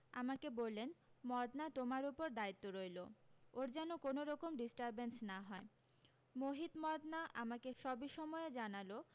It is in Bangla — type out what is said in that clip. আমাকে বললেন মদনা তোমার উপর দ্বায়িত্ব রইলো ওর যেন কোনোরকম ডিস্টার্বেন্স না হয় মোহিত মদনা আমাকে সবিসময়ে জানালো